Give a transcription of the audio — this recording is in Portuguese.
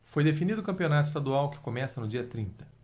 foi definido o campeonato estadual que começa no dia trinta